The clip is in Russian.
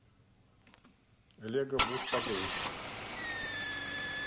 лего бус погрузчик